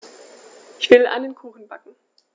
Ich will einen Kuchen backen.